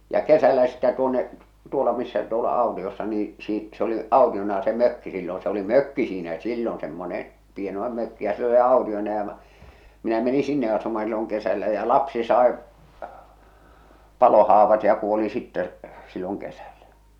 ja kesällä sitten tuonne tuolla missä tuolla autiossa niin - se oli autiona se mökki silloin se oli mökki siinä silloin semmoinen pienoinen mökki ja se oli autiona ja -- minä menin sinne asumaan silloin kesällä ja lapsi sai palohaavat ja kuoli sitten silloin kesällä